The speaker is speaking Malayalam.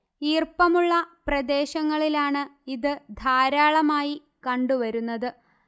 ഈർപ്പമുള്ള പ്രദേശങ്ങളിലാണ് ഇത് ധാരാളമായി കണ്ടുവരുന്നത്